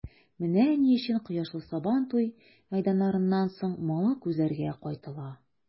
Менә ни өчен кояшлы Сабантуй мәйданнарыннан соң моңлы күзләргә кайтыла.